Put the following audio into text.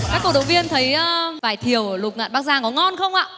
các cổ động viên thấy a vải thiều ở lục ngạn bắc giang có ngon không ạ